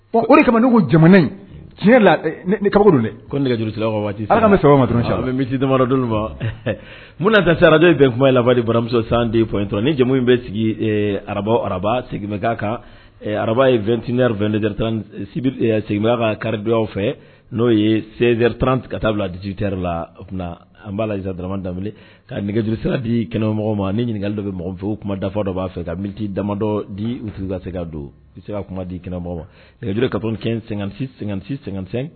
Bon ko kama jamana ti kab dɛ ko nɛgɛjurusi waati sabama misi damadɔ don ma munnata siradenw bɛ kuma ye labandi baramuso san den fɔ in ni jamu in bɛ sigi araraba a ararabamɛ kan ararabat2 sɛgɛnya ka karidon aw fɛ n'o ye sɛri tanran ka taa bila dijte la o an b'a lasa dɔrɔnrama da ka nɛgɛjurusira di kɛnɛmɔgɔ ma ni ɲininkakali dɔ bɛ mɔgɔfɛn kuma dafa dɔ b'a fɛ ka misiti damadɔ di u kase don se ka kuma di kɛnɛmɔgɔ ma nɛgɛj ka kɛ sɛgɛnsɛ